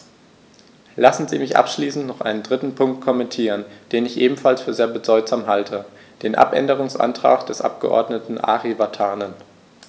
Lassen Sie mich abschließend noch einen dritten Punkt kommentieren, den ich ebenfalls für sehr bedeutsam halte: den Abänderungsantrag des Abgeordneten Ari Vatanen.